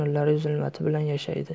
nurlari yu zulmati bilan yashaydi